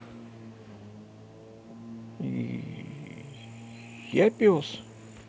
я пес